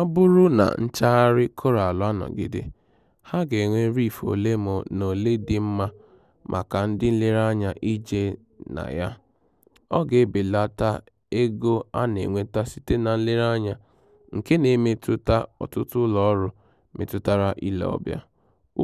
Ọ bụrụ na nchagharị Koraalụ anọgide, ha ga-enwe Reef ole na ole dị mma maka ndị nlereanya ị jee ya na, ọ ga-ebelata ego a na-enweta site na nlereanya, nke ga-emetụta ọtụtụ ụlọọrụ metụtara ile ọbịa: